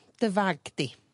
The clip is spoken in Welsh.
...dy fag di